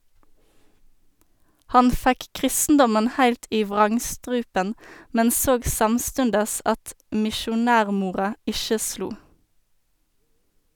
Han fekk kristendommen heilt i vrangstrupen, men såg samstundes at misjonærmora ikkje slo.